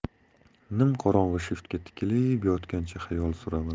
nimqorong'i shiftga tikilib yotgancha xayol suraman